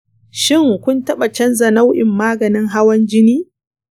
shin kun taɓa canza nau'in maganin hawan jini?